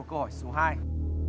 của câu hỏi số hai